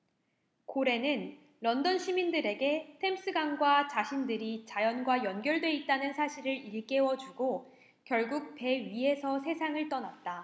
고래는 런던 시민들에게 템스강과 자신들이 자연과 연결돼 있다는 사실을 일깨워주고 결국 배 위에서 세상을 떠났다